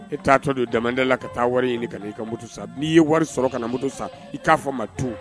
E taa tɔ don dade la ka taa wari ɲini ka i ka mutu sa n'i ye wari sɔrɔ ka mutu sa i k'a fɔ ma tun